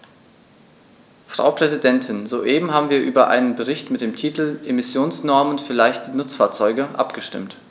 Frau Präsidentin, soeben haben wir über einen Bericht mit dem Titel "Emissionsnormen für leichte Nutzfahrzeuge" abgestimmt.